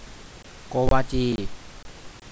โกวาจี